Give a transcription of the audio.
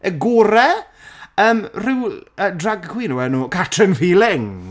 Y gore? Yym ryw yy drag queen o'r enw Catrin Feelings.